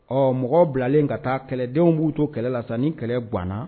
Ɔ mɔgɔ bilalen ka taa kɛlɛdenw b'u to kɛlɛ la ni kɛlɛ ganana